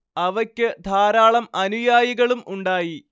അവയ്ക്ക് ധാരാളം അനുയായികളും ഉണ്ടായി